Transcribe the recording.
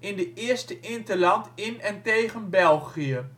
in de eerste interland in en tegen België